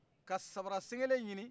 ka samara sen kelen ɲinin